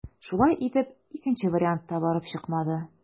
Шулай итеп, икенче вариант та барып чыкмады.